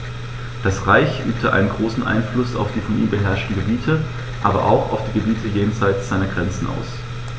Das Reich übte einen großen Einfluss auf die von ihm beherrschten Gebiete, aber auch auf die Gebiete jenseits seiner Grenzen aus.